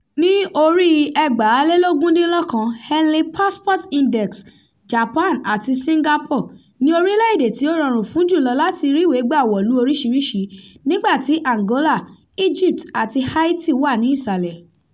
Ní oríi 2019 Henley Passport Index, Japan àti Singapore ni orílẹ̀-èdè tí ó rọrùn fún jù lọ láti ríwèé gbà wọ̀lú oríṣìíríṣi, nígbàtí Angola, Egypt àti Haiti wà ní ìsàlẹ̀.